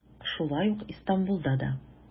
Шулай ук Истанбулда да.